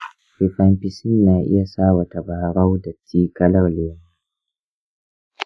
rifampicin na iya sawa tabarau datti kalar lemo.